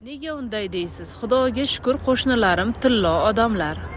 nega unday deysiz xudoga shukr qo'shnilarim tillo odamlar